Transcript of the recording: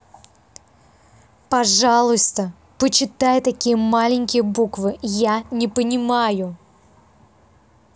пожалуйста почитай такие маленькие буквы я не понимаю